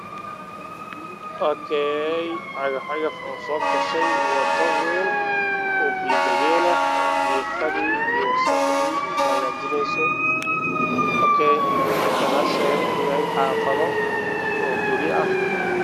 Waa meel waddo ah waxaa joogo cadaf waxa ay hagaajineysaa waddada dhiiqa ayaa tuuran waddada waana meel wasaq ah